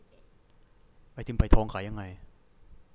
ไอติมไผ่ทองขายยังไง